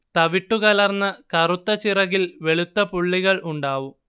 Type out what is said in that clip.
തവിട്ടുകലർന്ന കറുത്ത ചിറകിൽ വെളുത്ത പുള്ളികൾ ഉണ്ടാവും